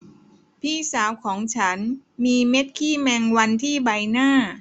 พี่สาวของฉันมีเม็ดขี้แมงวันที่ใบหน้า